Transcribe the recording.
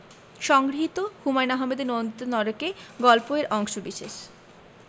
সংগৃহীত হুমায়ুন আহমেদের নন্দিত নরকে গল্প এর অংশবিশেষ